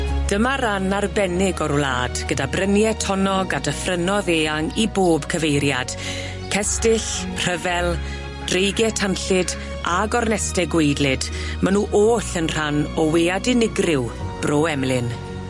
Dyma ran arbennig o'r wlad gyda brynie tonnog a dyffrynnodd eang i bob cyfeiriad cestyll, rhyfel dreigie tanllyd a gorneste gweidlyd ma' n'w oll yn rhan o wead unigryw Bro Emlyn.